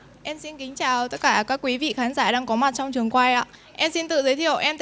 em xin kính chào tất cả các quý vị khán giả đang có mặt trong trường quay ạ em xin tự giới thiệu em